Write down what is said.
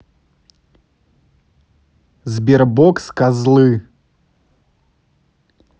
sberbox козлы